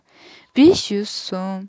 besh yuz so'm